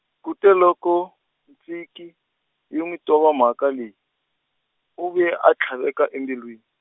kute loko, Tsinkie, yi n'wi tova mhaka leyi, u vuye a tlhaveka embilwini.